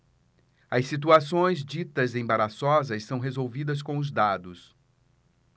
as situações ditas embaraçosas são resolvidas com os dados